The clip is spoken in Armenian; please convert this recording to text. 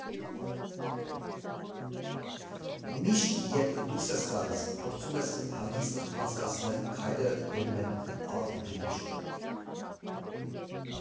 Միշտ, երբ դուրս ես գալիս, փորձում ես հանգիստդ անցկացնել, քայլերդ բերում են Արտ Բրիջ։